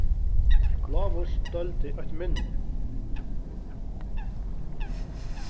lávus deildi eitt minni